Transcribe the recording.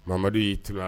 Mamadu y'i tunkara